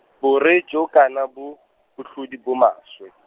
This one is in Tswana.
bore jo kana bo, botlhodi bo maswe.